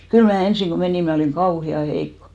kyllä minä ensin kun menin minä olin kauhean heikko